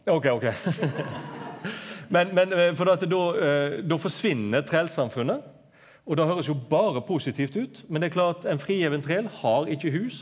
ok ok men men for det at då då forsvinn trælsamfunnet og det høyrest jo berre positivt ut men det er klart ein frigjeven træl har ikkje hus.